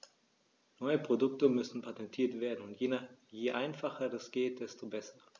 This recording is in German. Neue Produkte müssen patentiert werden, und je einfacher das geht, desto besser.